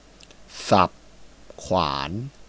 สับขวาน